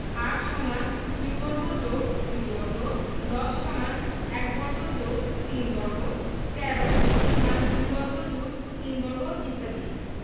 ৮ = ২ বর্গ + ২ বর্গ ১০ = ১ বর্গ + ৩ বর্গ ১৩ = ২ বর্গ + ৩ বর্গ ইত্যাদি